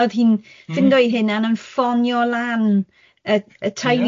O'dd hi'n... Mm... ffindo ei hunan yn ffonio lan y y teulu... Ie.